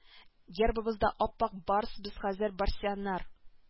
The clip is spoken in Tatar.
Гербыбызда ап-ак барс без хәзер барсианнар